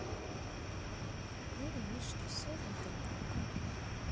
мимимишки серия про паука